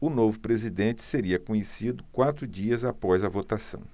o novo presidente seria conhecido quatro dias após a votação